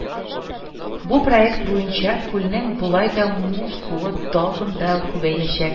Бу проект буенча күлнең болай да мул суы тагын да күбәячәк